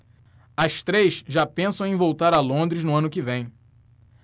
as três já pensam em voltar a londres no ano que vem